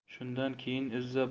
shundan keyin izza